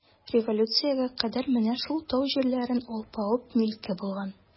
Революциягә кадәр менә шул тау җирләре алпавыт милке булган.